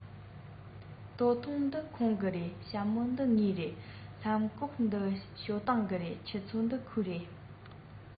སྟོད ཐུང འདི ཁོང གི རེད ཞྭ མོ འདི ངའི རེད ལྷམ གོག འདི ཞའོ ཏིང གི རེད ཆུ ཚོད འདི ཁོའི རེད